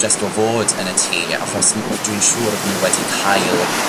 jyst o fod yn y tŷ achos m- dwi'n siŵr odd nw wedi cael